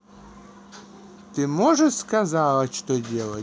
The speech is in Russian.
ты можешь сказала что делать